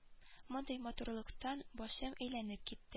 Мондый матурлыктан башым әйләнеп китте